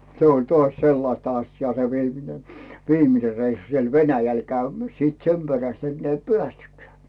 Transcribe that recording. se oli taas sellaista asiaa se viimeinen viimeinen reissu siellä Venäjällä käymässä sitten sen perästä enää ei päästykään